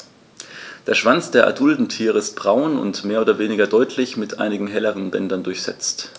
Der Schwanz der adulten Tiere ist braun und mehr oder weniger deutlich mit einigen helleren Bändern durchsetzt.